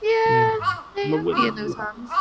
Yeah they would... W- w- w- ...be in those hands.